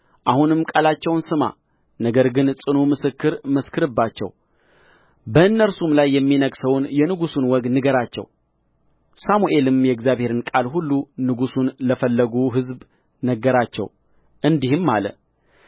አሁንም ቃላቸውን ስማ ነገር ግን ጽኑ ምስክር መስክርባቸው በእነርሱም ላይ የሚነግሠውን የንጉሡን ወግ ንገራቸው ሳሙኤልም የእግዚአብሔርን ቃል ሁሉ ንጉሥን ለፈለጉ ሕዝብ ነገራቸው እንዲህም አለ